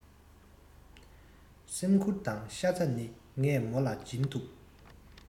སེམས ཁུར དང ཤ ཚ ནི ངས མོ ལ སྦྱིན ཐུབ